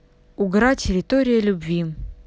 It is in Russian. угра территория любви